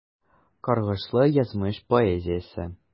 Каргышлы язмыш поэзиясе.